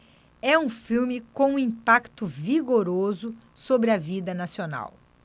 é um filme com um impacto vigoroso sobre a vida nacional